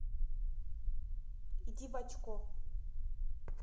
иди в очко